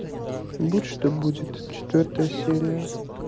будь что будет четвертая серия